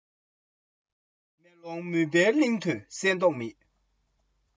སེམས གོས མ ཆོད ལྷ ཆོས བྱས ཀྱང རུང